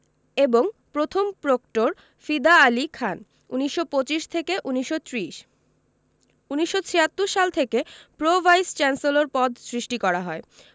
এবং প্রথম প্রক্টর ফিদা আলী খান ১৯২৫ থেকে ১৯৩০ ১৯৭৬ সাল থেকে প্রো ভাইস চ্যান্সেলর পদ সৃষ্টি করা হয়